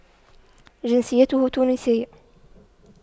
جنسيته تونسية